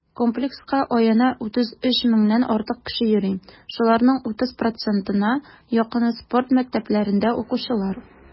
Комплекска аена 33 меңнән артык кеше йөри, шуларның 30 %-на якыны - спорт мәктәпләрендә укучылар.